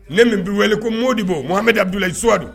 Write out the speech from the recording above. Ne min bɛ wele ko mo de bɔhamɛ da bilalayiwadu